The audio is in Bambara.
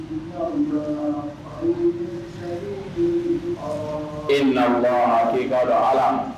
E na ma deli'a dɔn ala